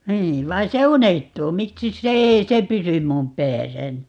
niin vaan se unohtuu miksi se ei se pysy minun päässäni